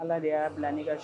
Ala de y'a bila ni ka so